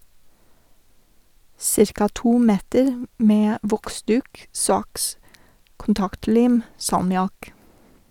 Cirka to meter med voksduk, saks, kontaktlim, salmiakk.